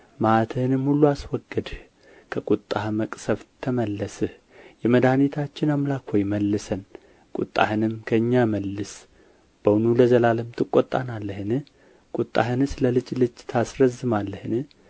መዓትህንም ሁሉ አስወገድህ ከቍጣህ መቅሠፍት ተመለስህ የመድኃኒታችን አምላክ ሆይ መልሰን ቍጣህንም ከእኛ መልስ በውኑ ለዘላለም ትቈጣናለህን ቍጣህንስ ለልጅ ልጅ ታስረዝማለህን